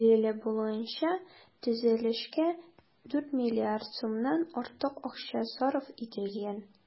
Билгеле булуынча, төзелешкә 4 миллиард сумнан артык акча сарыф ителгән.